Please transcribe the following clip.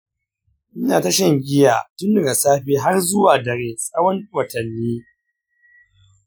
ina ta shan giya tun daga safe har zuwa dare tsawon watanni.